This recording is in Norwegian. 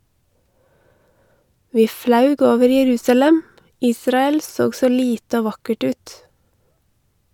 «vi flaug over Jerusalem , Israel såg så lite og vakkert ut».N